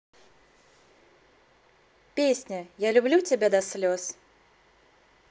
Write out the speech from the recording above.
песня я люблю тебя до слез